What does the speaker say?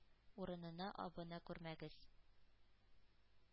Урынына абына күрмәгез.